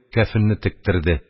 Кәфенне тектерде.